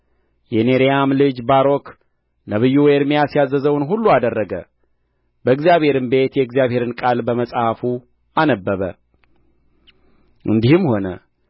የኔርያም ልጅ ባሮክ ነቢዩ ኤርምያስ ያዘዘውን ሁሉ አደረገ በእግዚአብሔርም ቤት የእግዚአብሔርን ቃል በመጽሐፉ አነበበ እንዲህም ሆነ